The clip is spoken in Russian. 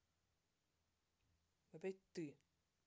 опять ты